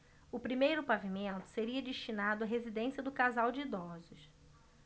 o primeiro pavimento seria destinado à residência do casal de idosos